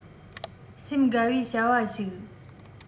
སེམས དགའ བའི བྱ བ ཞིག